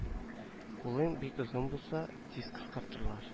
Кулың бик озын булса тиз кыскартырлар